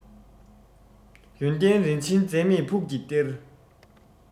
ཡོན ཏན རིན ཆེན འཛད མེད ཕུགས ཀྱི གཏེར